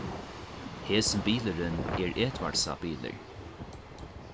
hesin bilurin er edvardsa bilur